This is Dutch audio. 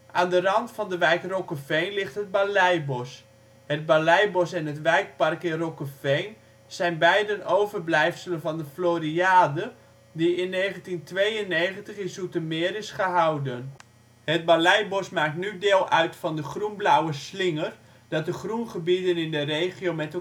Aan de rand van de wijk Rokkeveen ligt het Balijbos. Het Balijbos en het wijkpark in Rokkeveen zijn beiden overblijfselen van de Floriade die in 1992 in Zoetermeer is gehouden. Het Balijbos maakt nu deel uit van de Groen-Blauwe Slinger, dat de groengebieden in de regio met